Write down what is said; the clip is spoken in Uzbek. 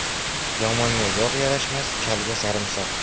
yomonga yog' yarashmas kalga sarimsoq